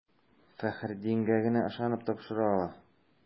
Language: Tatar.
Фәхреддингә генә ышанып тапшыра ала.